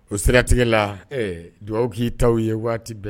O siraigatigɛ la dugawu k'i ta u ye waati bɛɛ